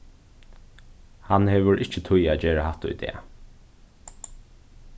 hann hevur ikki tíð at gera hatta í dag